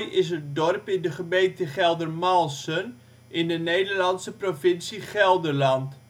is een dorp in de gemeente Geldermalsen in de Nederlandse provincie Gelderland